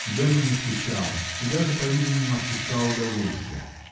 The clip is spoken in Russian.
Джемма не скучала и даже, по-видимому, ощущала удовольствие